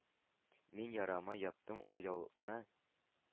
Мин ярама яптым ул яулыкны